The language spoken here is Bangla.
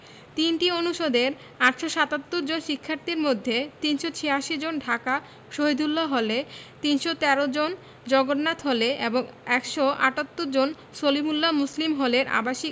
৩টি অনুষদের ৮৭৭ জন শিক্ষার্থীর মধ্যে ৩৮৬ জন ঢাকা শহীদুল্লাহ হলে ৩১৩ জন জগন্নাথ হলে এবং ১৭৮ জন সলিমুল্লাহ মুসলিম হলের আবাসিক